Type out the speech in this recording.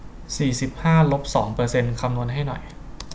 สี่สิบห้าลบสองเปอร์เซนต์คำนวณให้หน่อย